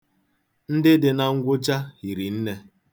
Ndị dị na ngwụcha hiri nne.